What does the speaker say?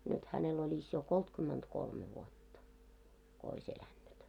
nyt hänellä olisi jo kolmekymmentäkolme vuotta kun olisi elänyt